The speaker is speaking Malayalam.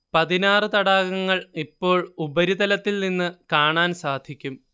പതിനാറ് തടാകങ്ങൾ ഇപ്പോൾ ഉപരിതലത്തിൽ നിന്ന് കാണാൻ സാധിക്കും